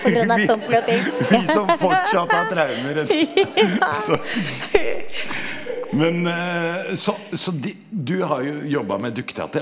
vi vi som fortsatt har traumer så men så så de du har jo jobba med dukketeater.